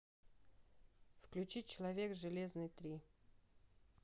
включи человек железный три